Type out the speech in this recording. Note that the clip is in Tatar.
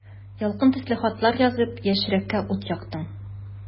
Ялкын төсле хатлар язып, яшь йөрәккә ут яктың.